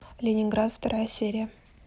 ленинград вторая серия